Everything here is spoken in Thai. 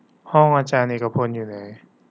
ห้องอาจารย์เอกพลอยู่ไหน